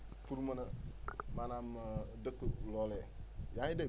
pour mun a maanaam dëkku looleeyaa ngi dégg